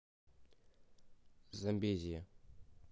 замбезия